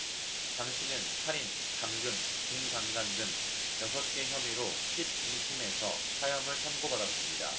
장씨는 살인 감금 준강간 등 여섯 개 혐의로 십 이 심에서 사형을 선고받았습니다